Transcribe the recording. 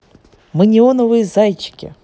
мы неоновые зайчики